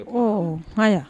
Ɔ h yan